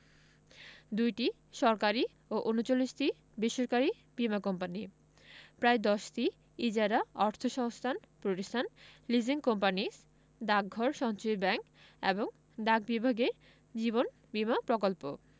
২টি সরকারি ও ৩৯টি বেসরকারি বীমা কোম্পানি প্রায় ১০টি ইজারা অর্থসংস্থান প্রতিষ্ঠান লিজিং কোম্পানিস ডাকঘর সঞ্চয়ী ব্যাংক এবং ডাক বিভাগের জীবন বীমা প্রকল্প